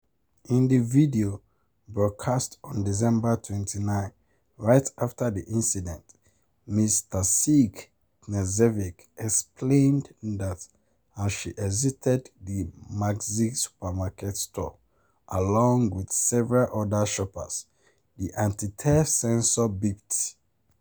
In the video, broadcast on December 29 right after the incident, Ms. Tasić Knežević explained that as she exited the Maxi supermarket store along with several other shoppers, the anti-theft sensor beeped.